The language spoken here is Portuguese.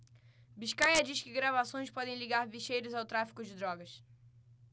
biscaia diz que gravações podem ligar bicheiros ao tráfico de drogas